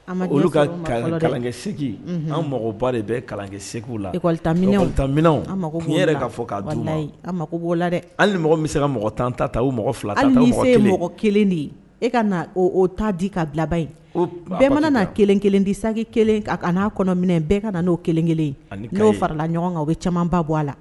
Kakɛ an mɔgɔ ba de bɛ kalankɛ segu la ta fɔ mako la an ni mɔgɔ bɛ se ka mɔgɔ tan ta o fila se mɔgɔ kelen de ye e ka ta di ka bilaba in bamanan kelen kelen di san kelen n'a kɔnɔ minɛn bɛn ka na n'o kelen farala ɲɔgɔn kan bɛ caman ba bɔ a la